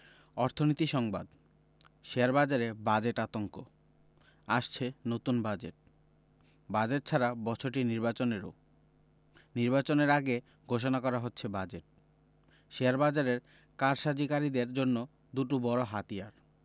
অর্থনীতি সংবাদ শেয়ারবাজারে বাজেট আতঙ্ক আসছে নতুন বাজেট বাজেট ছাড়া বছরটি নির্বাচনেরও নির্বাচনের আগে ঘোষণা করা হচ্ছে বাজেট শেয়ারবাজারের কারসাজিকারীদের জন্য দুটো বড় হাতিয়ার